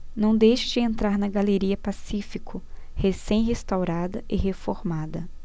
não deixe de entrar na galeria pacífico recém restaurada e reformada